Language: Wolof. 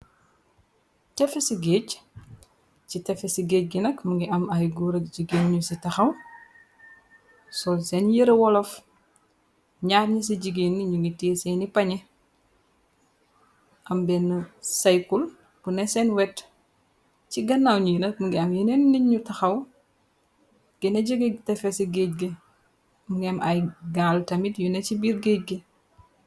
Tefe ci géej ci tefe ci géej gi nak mu ngi am ay goora jigéen ñu ci taxaw sool seen yëra wolaf ñaar ñi ci jigéenn ñu ngi téeseeni pañe am benn saykul bu neseen wet ci ganaw ñi yi nak mu ngi am yeneen niñ ñu taxaw gina jege tefe ci géej gi mu ngi am ay gaal tamit yu ne ci biir géej gi.